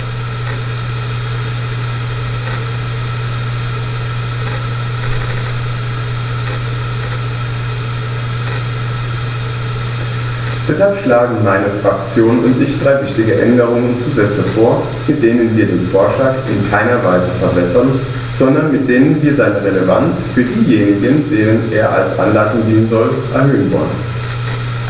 Deshalb schlagen meine Fraktion und ich drei wichtige Änderungen und Zusätze vor, mit denen wir den Vorschlag in keiner Weise verwässern, sondern mit denen wir seine Relevanz für diejenigen, denen er als Anleitung dienen soll, erhöhen wollen.